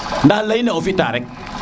nda leyi ne o fi ta rek